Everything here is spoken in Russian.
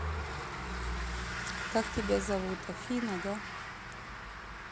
как тебя зовут афина да